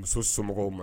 Muso somɔgɔw ma